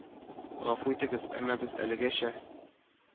Гафу итегез, әмма без әлегәчә